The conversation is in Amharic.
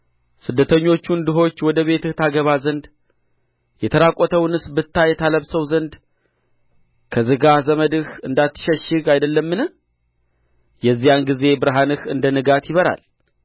ስደተኞቹን ድሆች ወደ ቤትህ ታገባ ዘንድ የተራቈተውንስ ብታይ ታለብሰው ዘንድ ከሥጋ ዘምድህ እንዳትሸሽግ አይደለምን የዚያን ጊዜ ብርሃንህ እንደ ንጋት ይበራል